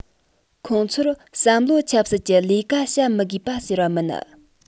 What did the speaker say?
ཁོང ཚོར བསམ བློ ཆབ སྲིད ཀྱི ལས ཀ བྱ མི དགོས པ ཟེར བ མིན